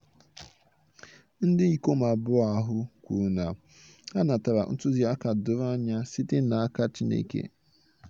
Ndị ikom abụọ ahụ kwuru na ha natara ntụziaka doro anya site n'aka Chineke